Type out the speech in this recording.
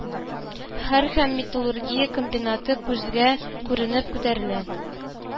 Һәр һәм металлургия комбинаты күзгә күренеп күтәрелә